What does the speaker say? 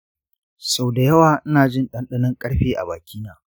sau da yawa ina jin ɗanɗanon ƙarfe a baki na.